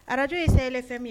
Arajo ye saya yɛlɛlɛ fɛn min ye